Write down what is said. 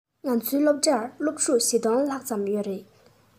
ང ཚོའི སློབ གྲྭར སློབ ཕྲུག ༤༠༠༠ ལྷག ཙམ ཡོད རེད